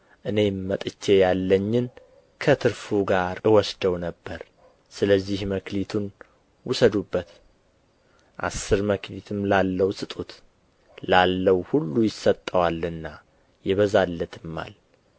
እኔም መጥቼ ያለኝን ከትርፉ ጋር እወስደው ነበር ስለዚህ መክሊቱን ውሰዱበት አሥር መክሊትም ላለው ስጡት ላለው ሁሉ ይሰጠዋልና ይበዛለትማል